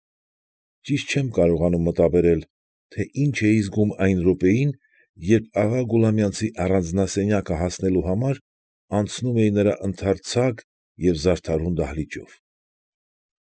Ճիշտ չեմ կարողանում մտաբերել, թե ինչ էի զգում այն րոպեին, երբ աղա Գուլամյանցի առանձնասենյակը հասնելու համար անցնում էի նրա ընդարձակ և զարդարուն դահլիճով։